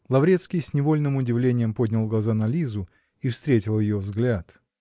Лаврецкий с невольным; удивлением поднял глаза на Лизу и встретил ее взгляд.